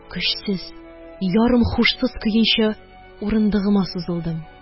Көчсез, ярым һушсыз көенчә урындыгыма сузылдым.